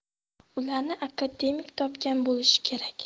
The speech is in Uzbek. ularni akademik topgan bo'lishi kerak